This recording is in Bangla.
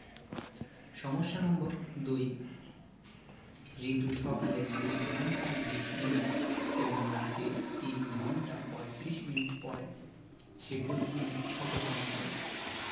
সমস্যা নম্বর ২ রিতু সকালে ২ ঘন্টা ২০ মিনিট এবং রাতে ৩ ঘণ্টা ৩৫ মিনিট পড়ে সে প্রতিদিন কত সময় পড়ে